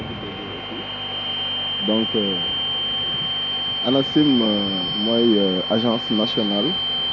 déggee aussi donc ANACIM mooy agence nationale